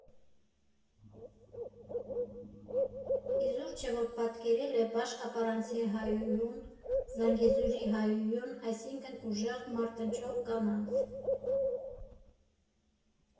Իզուր չէ, որ պատկերել է բաշ֊ապարանցի հայուհուն, զանգեզուրի հայուհուն՝ այսինքն ուժեղ, մարտնչող կանանաց։